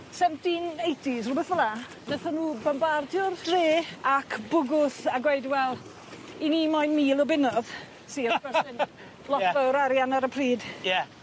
A seventeen eighties rwbeth fel 'a nethon nw bombardio'r dre ac bwgwth a gweud wel 'yn ni moyn mil o bunnodd sy wrth gwrs yn lot fowr arian ar y pryd. Ie.